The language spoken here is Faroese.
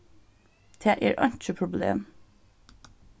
tað er einki problem